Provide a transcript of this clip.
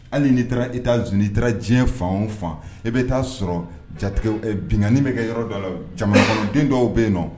Hali n'i taara Etats Unis i taara diɲɛ fan o fan e be taa sɔrɔ jatigɛ w e biŋani be kɛ yɔrɔ dɔ la o jamanakɔrɔden dɔw bE yen nɔ